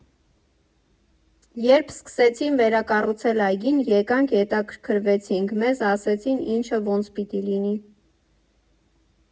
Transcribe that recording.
Երբ սկսեցին վերակառուցել այգին, էկանք հետաքրքրվեցինք, մեզ ասեցին ինչը ոնց պիտի լինի։